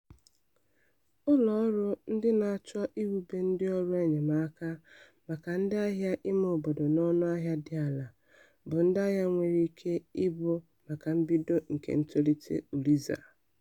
Ụlọọrụ ndị na-achọ iwube ndịọrụ enyemaka maka ndịahịa imeobodo n'ọnụahịa dị ala bụ ndịahịa nwere ike ịbụ maka mbido nke ntolite Uliza.